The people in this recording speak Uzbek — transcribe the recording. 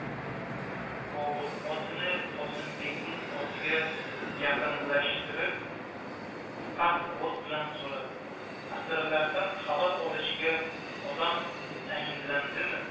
bobur otini qosimbekning otiga yaqinlashtirib past ovoz bilan so'radi asirlardan xabar olishga odam tayinlandimi